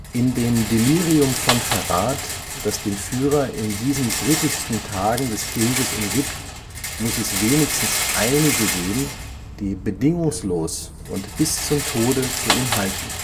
In dem Delirium von Verrat, das den Führer in diesen kritischsten Tagen des Krieges umgibt, muß es wenigstens einige geben, die bedingungslos und bis zum Tode zu ihm zu halten